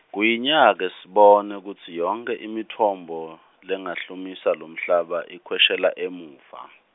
Gwinya ke sibone kutsi yonkhe imitfombo, lengahlumisa lomhlaba, ikhweshela, emuva.